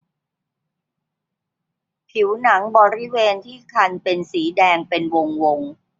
ผิวหนังบริเวณที่คันเป็นสีแดงเป็นวงวง